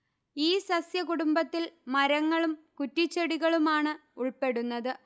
ഈ സസ്യകുടുംബത്തിൽ മരങ്ങളും കുറ്റിച്ചെടികളുമാണ് ഉൾപ്പെടുന്നത്